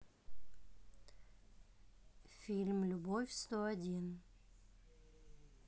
фильм любовь сто один